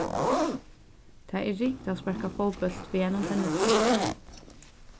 tað er ringt at sparka fótbólt við einum tennisbólti